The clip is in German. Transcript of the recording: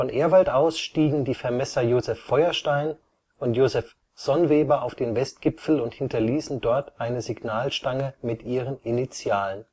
Ehrwald aus stiegen die Vermesser Joseph Feuerstein und Joseph Sonnweber auf den Westgipfel und hinterließen dort eine Signalstange mit ihren Initialen